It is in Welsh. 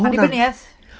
Annibyniaeth.